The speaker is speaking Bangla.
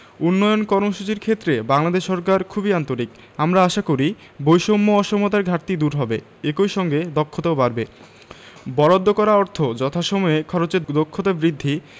উন্নয়ন কর্মসূচির ক্ষেত্রে বাংলাদেশ সরকার খুবই আন্তরিক আমরা আশা করি বৈষম্য অসমতার ঘাটতি দূর হবে একই সঙ্গে দক্ষতাও বাড়বে বরাদ্দ করা অর্থ যথাসময়ে খরচের দক্ষতা বৃদ্ধি